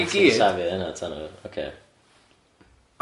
O ia, ti'n safio hynna tan y, ocê.